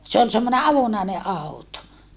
se oli semmoinen avonainen auto